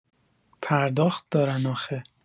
پرداخت دارن آخه